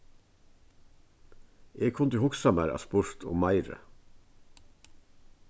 eg kundi hugsað mær at spurt um meira